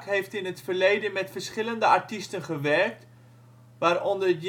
heeft in het verleden met verschillende artiesten gewerkt, waaronder